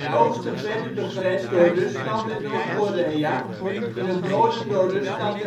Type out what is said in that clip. oosten verder begrensd door Rusland en Noord-Korea, in het noorden door Rusland